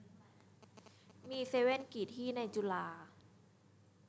มีเซเว่นกี่ที่ในจุฬา